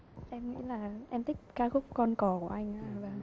em nghĩ là em thích ca khúc con cò của anh ấy ạ